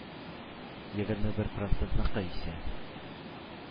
Егерме бер процентыныкы исә